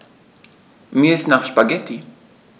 Mir ist nach Spaghetti.